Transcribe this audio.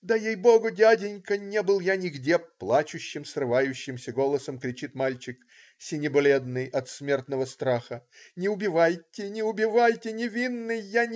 "Да, ей-Богу, дяденька, не был я нигде!" - плачущим, срывающимся голосом кричит мальчик, сине-бледный от смертного страха. "Не убивайте! Не убивайте! Невинный я!